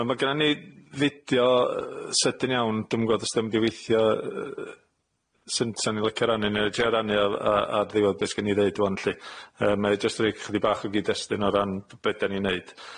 Ma' ma' gynna ni fideo yy sydyn iawn dwi'm yn gwbod os ydi o'n mynd i weithio yy yy sy'n 'sa ni'n licio'i rannu 'na i roi o rannu a- a- ar ddiwedd be 'sgen i' ddeud ŵan lly yy mae jyst'n roi ch- chydig bach o gyd-destun o ran be 'dan ni'n neud.